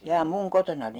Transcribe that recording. jaa minun kotonani